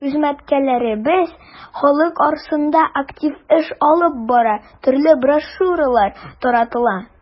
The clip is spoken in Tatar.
Хезмәткәрләребез халык арасында актив эш алып бара, төрле брошюралар таратыла.